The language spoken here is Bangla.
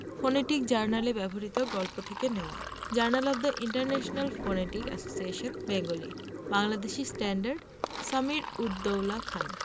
ফনেটিক জার্নালে ব্যবহিত গল্প থেকে নেওয়া journal of the International Phonetic Association Bengali Bangladeshi Standard Sameer Ud Doula Khan